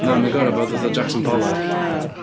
Na, mae o'n gorfod bod fatha Jackson Pollock.